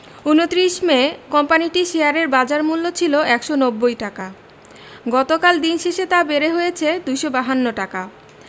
২৯ May কোম্পানিটির শেয়ারের বাজারমূল্য ছিল ১৯০ টাকা গতকাল দিন শেষে তা বেড়ে হয়েছে ২৫২ টাকা